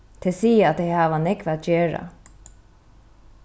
tey siga at tey hava nógv at gera